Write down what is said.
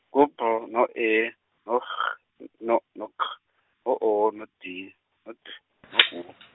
ngu B, no E, no G, n- no no G, no O, no D, no T, no U.